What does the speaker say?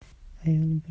ayol bir zum